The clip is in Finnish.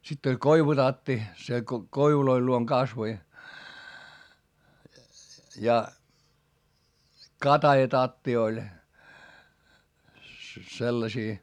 sitten oli koivutatti se - koivujen luona kasvoi ja katajatatti oli sellaisia